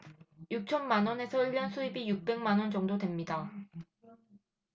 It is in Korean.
육 천만 원 해서 일 년 수입이 육 백만 원 정도 됩니다